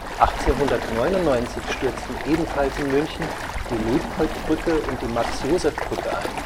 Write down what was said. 1899 stürzten ebenfalls in München die Luitpoldbrücke und die Max-Joseph-Brücke ein